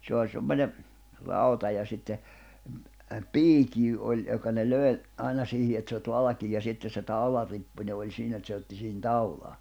se oli semmoinen rauta ja sitten - piikki oli johon ne löi aina siihen että saivat valkean ja sitten se taularippunen oli siinä että se otti siihen taulaan